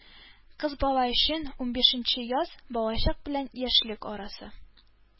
Кыз бала өчен унбишенче яз балачак белән яшьлек арасы.